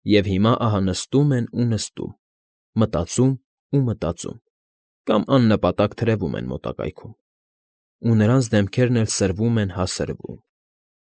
Եվ հիմա ահա նստում են ու նստում, մտածում են ու մտածում կամ աննպատակ թրևվում են մոտակայքում, ու նրանց դեմքերն էլ սրվում են հա սրվում։